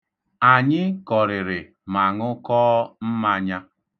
Anyị kọrịrị ma ṅụkọọ mmanya.